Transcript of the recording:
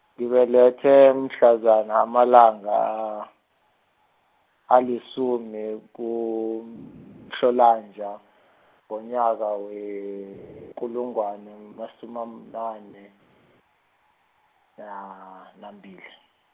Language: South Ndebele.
ngibelethwe mhlazana amalanga, alisumi, kuMhlolanja, ngonyaka, wekulungwana, namasumi amane, naa- nambili.